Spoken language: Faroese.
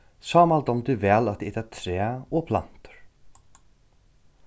sámal dámdi væl at eta træ og plantur